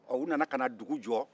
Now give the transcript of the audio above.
ɔ u nana ka na dugu jɔ